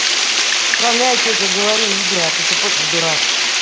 справляюсь я тебе говорю игры а ты тупой как дурак